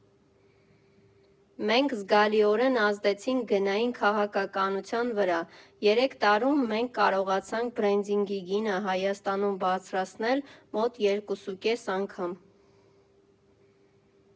Մենք զգալիորենազդեցինք գնային քաղաքականության վրա։ Երեք տարում մենք կարողացանք բրենդինգի գինը Հայաստանում բարձրացնել մոտ երկուսուկես անգամ։